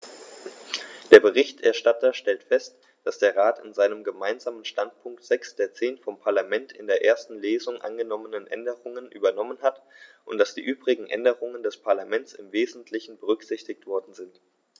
Der Berichterstatter stellte fest, dass der Rat in seinem Gemeinsamen Standpunkt sechs der zehn vom Parlament in der ersten Lesung angenommenen Änderungen übernommen hat und dass die übrigen Änderungen des Parlaments im wesentlichen berücksichtigt worden sind.